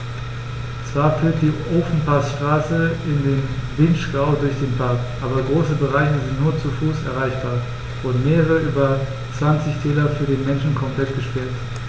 Zwar führt die Ofenpassstraße in den Vinschgau durch den Park, aber große Bereiche sind nur zu Fuß erreichbar und mehrere der über 20 Täler für den Menschen komplett gesperrt.